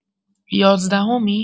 یازدهمی؟